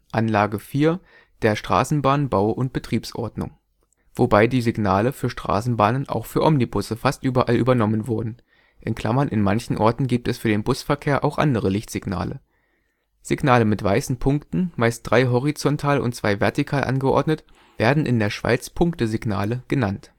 Anlage 4 der BOStrab), wobei die Signale für Straßenbahnen auch für Omnibusse fast überall übernommen wurden (in manchen Orten gibt es für den Busverkehr auch andere Lichtsignale). Signale mit weißen Punkten, meist drei horizontal und zwei vertikal angeordnet, werden in der Schweiz Punktesignale genannt